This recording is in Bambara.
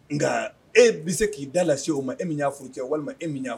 Nka e bɛ se k'i da lase se o ma e min y'a fɔ cɛ walima e min